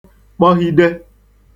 kpọghide